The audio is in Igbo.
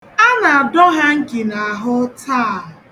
A na-adọ ha nki n'ahụ taa